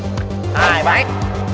hai ba